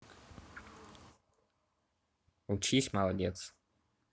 учись молодец